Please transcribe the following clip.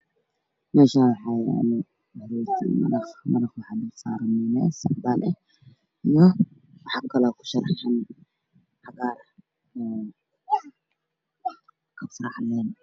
Meshaan waxaa yalo rooti iyo maraq maraqa waxaa dul saran mayunees cadan eh iyo waxaa kaloo ku sharaxan cagar ah kabsar caleen